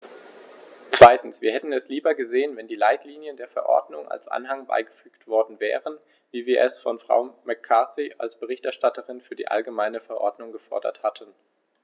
Zweitens: Wir hätten es lieber gesehen, wenn die Leitlinien der Verordnung als Anhang beigefügt worden wären, wie wir es von Frau McCarthy als Berichterstatterin für die allgemeine Verordnung gefordert hatten.